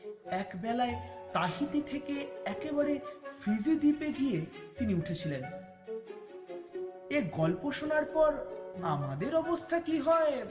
এক বেলায় তাহিতি থেকে একেবারে ফিজি দ্বীপে গিয়ে তিনি উঠেছিলেন এই গল্প শোনার পর আমাদের অবস্থা কি হয়